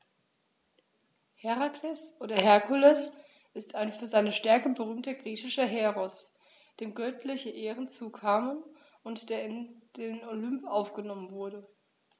Herakles oder Herkules ist ein für seine Stärke berühmter griechischer Heros, dem göttliche Ehren zukamen und der in den Olymp aufgenommen wurde.